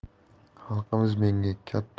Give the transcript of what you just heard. xalqimiz menga katta